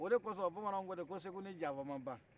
o de kɔsɔ bamananw ko ten ko segu ni janfa ma ban